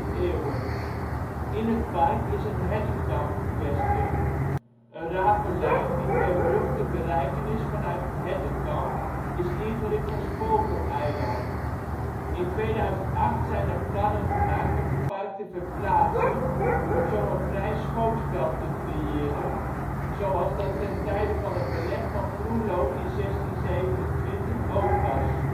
eeuwen. In het park is een hertenkamp gevestigd. Een ravelijn, die per brug te bereiken is vanuit het hertenkamp, is ingericht als vogeleiland. In 2008 zijn er plannen gemaakt om het park te verplaatsen om zo een vrij schootsveld te creëren, zoals dat ten tijde van het beleg van Groenlo in 1627 ook was